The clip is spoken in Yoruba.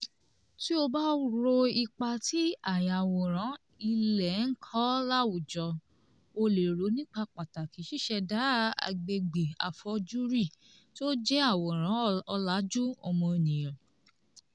Tí o bá ro ipa tí ayàwòrán-ilé ń kó láwùjọ, o le rò nípa pàtàkì ṣíṣẹ̀dá agbègbè àfojúrí tí ó jẹ́ àwòrán ọ̀làjú ọmọnìyàn.